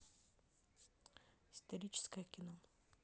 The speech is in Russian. исторические кино